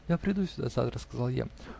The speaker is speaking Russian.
-- Я приду сюда завтра, -- сказал я.